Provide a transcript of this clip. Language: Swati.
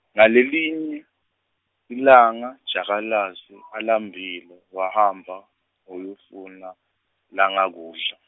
ngalelinye lilanga Jakalazi alambile, wahamba wayofuna langakudla.